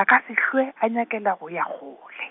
a ka se hlwe a nyakela go ya kgole.